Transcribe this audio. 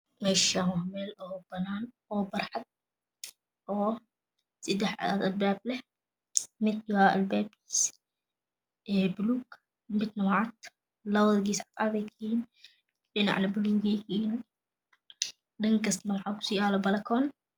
Meshaan waa meel panaan oo barxad ah oo sadax alpaap leh mid waa albabkisa puluug midna wa cad lapada gees cadiin bey kayihiin dhinacne pulugu kayehe dhankaasna waxaa ku siyaala palakoon